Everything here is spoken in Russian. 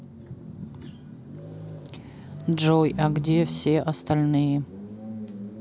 джой а где все остальные